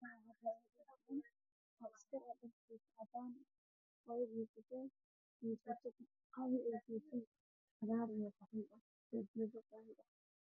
Waxaa taagan saddex askari wataan koffid haddana iyo dhowr cadaan ah waxaa midna wuxuu wataa cagaar ah salaam ayaa ka dambeeya